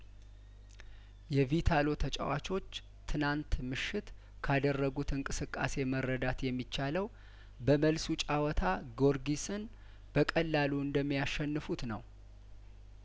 የቪታሎ ተጫዋቾች ትናንት ምሽት ካደረጉት እንቅስቃሴ መረዳት የሚቻለው በመልሱ ጨዋታ ጐርጊስን በቀላሉ እንደሚያሸንፉት ነው